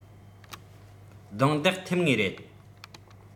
རྡུང རྡེག ཐེབས ངེས རེད